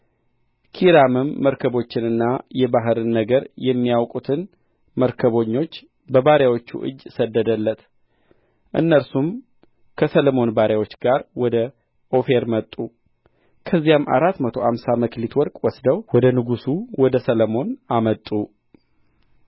ኪራምም መርከቦችንና የባሕርን ነገር የሚያውቁትን መርከበኞች በባሪያዎቹ እጅ ሰደደለት እነርሱም ከሰሎሞን ባሪያዎች ጋር ወደ ኦፊር መጡ ከዚያም አራት መቶ አምሳ መክሊት ወርቅ ወስደው ወደ ንጉሡ ወደ ሰሎሞን አመጡ